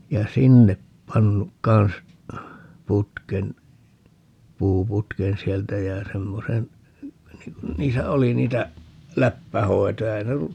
ja sinne pannut kanssa putken puuputken sieltä ja semmoisen niin kun niissä oli niitä läppähoitoja ei ne ollut